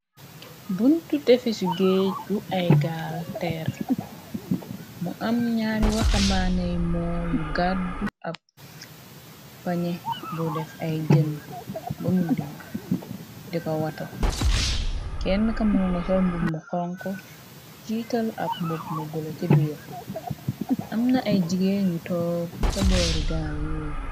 Buntu tefisu géej yu ay gaal teer mu am ñaari waxambaaney mool yu gaddu ab pañe bu def ay jënn bamu digg di ko wata kenn kamal nga sor mbobmu xonko ciital ab mbob mu bula ci biir amna ay jigeen yu toob ca boori gaal yuy.